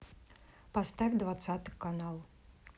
поставь двадцатый канал